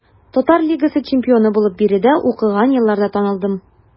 Татар лигасы чемпионы булып биредә укыган елларда танылдым.